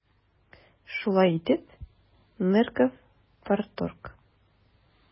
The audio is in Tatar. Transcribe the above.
Шулай итеп, Нырков - парторг.